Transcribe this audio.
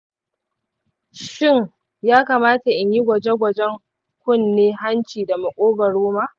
shin ya kamata in yi gwaje-gwajen kunne hanci da makogwaro ma?